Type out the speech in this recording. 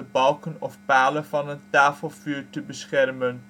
balken of palen van een tafelvuur te beschermen